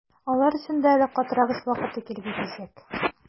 Алар өчен дә әле катырак эш вакыты килеп җитәчәк.